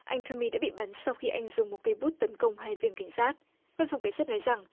anh tôm my đã bị bắn sau khi anh dùng một cây bút tấn công hai viên cảnh sát văn phòng cảnh sát nói rằng